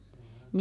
se on